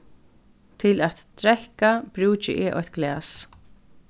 til at drekka brúki eg eitt glas